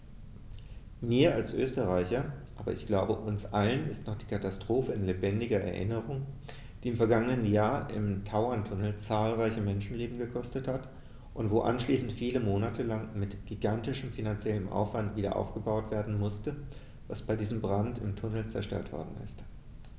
Mir als Österreicher, aber ich glaube, uns allen ist noch die Katastrophe in lebendiger Erinnerung, die im vergangenen Jahr im Tauerntunnel zahlreiche Menschenleben gekostet hat und wo anschließend viele Monate lang mit gigantischem finanziellem Aufwand wiederaufgebaut werden musste, was bei diesem Brand im Tunnel zerstört worden ist.